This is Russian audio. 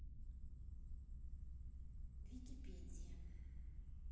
википедия